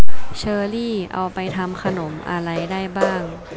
เชอร์รี่เอาไปทำขนมอะไรได้บ้าง